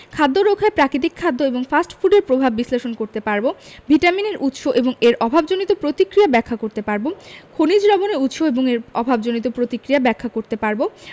স্বাস্থ্য রক্ষায় প্রাকৃতিক খাদ্য এবং ফাস্ট ফুডের প্রভাব বিশ্লেষণ করতে পারব ভিটামিনের উৎস এবং এর অভাবজনিত প্রতিক্রিয়া ব্যাখ্যা করতে পারব খনিজ লবণের উৎস এবং এর অভাবজনিত প্রতিক্রিয়া ব্যাখ্যা করতে পারব